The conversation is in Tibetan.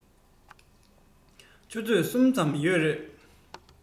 ཆུ ཚོད གསུམ ཙམ ཡོད རེད